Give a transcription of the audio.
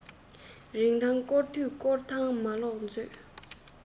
རིན ཐང སྐོར དུས སྐོར ཐང མ ལོག མཛོད